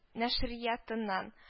Нәшриятыннан